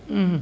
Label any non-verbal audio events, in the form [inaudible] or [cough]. [hesitation] [hesitation]